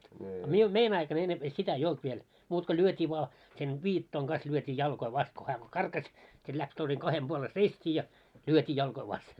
a minun meidän aikana ennempi sitä ei ollut vielä muuta kuin lyötiin vain sen viittojen kanssa lyötiin jalkoja vasta kun hän kun karkasi sitten lähti toisen kahden puolen seistiin ja lyötiin jalkoja vasten